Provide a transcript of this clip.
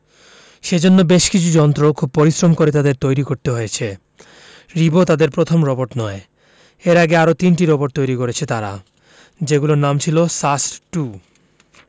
সেজন্য বেশ কিছু যন্ত্র খুব পরিশ্রম করে তাদের তৈরি করতে হয়েছে রিবো তাদের প্রথম রোবট নয় এর আগে আরও তিনটি রোবট তৈরি করেছে তারা যেগুলোর নাম ছিল সাস্ট টু